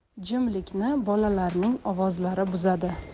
jimlikni bolalarning ovozlari buzadi